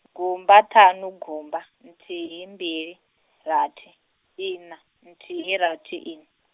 gumba ṱhanu gumba, nthihi mbili, rathi, ina, nthihi rathi in-.